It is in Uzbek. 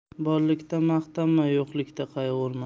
borlikda maqtanma yo'qlikda qayg'urma